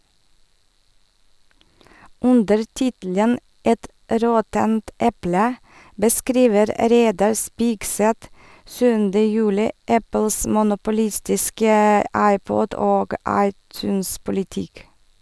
Under tittelen «Et råttent eple» beskriver Reidar Spigseth 7. juli Apples monopolistiske iPod- og iTunes-politikk.